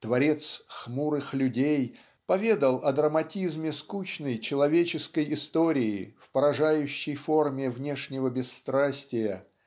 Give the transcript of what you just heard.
творец "Хмурых людей" поведал о драматизме скучной человеческой истории в поражающей форме внешнего бесстрастия